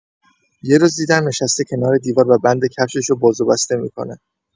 یه روز دیدم نشسته کنار دیوار و بند کفشش رو باز و بسته می‌کنه.